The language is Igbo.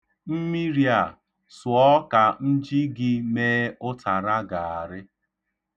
Mmiri a, sụọ ka m ji gị mee ụtara garị.